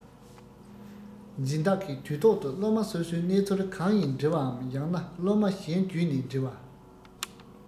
འཛིན བདག གིས དུས ཐོག ཏུ སློབ མ སོ སོའི གནས ཚུལ གང ཡིན དྲི བའམ ཡང ན སློབ མ གཞན བརྒྱུད ནས དྲི བ